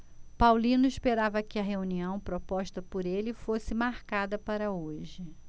paulino esperava que a reunião proposta por ele fosse marcada para hoje